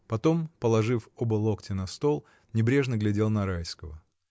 Потом, положив оба локтя на стол, небрежно глядел на Райского.